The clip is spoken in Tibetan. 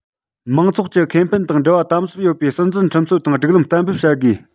མང ཚོགས ཀྱི ཁེ ཕན དང འབྲེལ བ དམ ཟབ ཡོད པའི སྲིད འཛིན ཁྲིམས སྲོལ དང སྒྲིག ལམ གཏན འབེབས བྱ དགོས